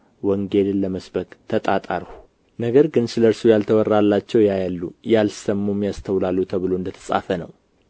ወንጌልን ለመስበክ ተጣጣርሁ ነገር ግን ስለ እርሱ ያልተወራላቸው ያያሉ ያልሰሙም ያስተውላሉ ተብሎ እንደ ተጻፈ ነው